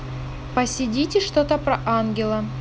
посидите что то про ангела